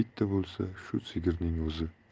bitta bo'lsa shu sigirning o'zi